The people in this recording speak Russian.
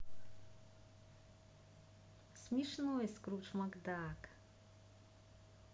смешной скрудж макдак